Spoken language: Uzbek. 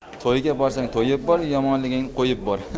to'yga borsang to'yib bor yomonliging qo'yib bor